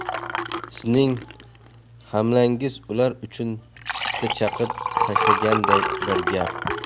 sizning hamlangiz ular uchun pista chaqib tashlanganday bir gap